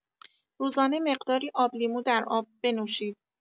روزانه مقداری آبلیمو در آب بنوشید.